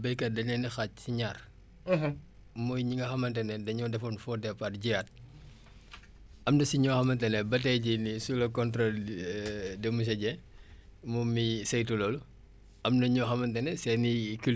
muy ñi nga xamante ne dañoo defoon faux départ jiyaat am na si ñoo xamante ne ba tey jii nii sous le contrôle de monsieur Dieng moom miy saytu loolu am na ñoo xamante ne seen i culture yi dañ soxla ndox ba léegi pour mun a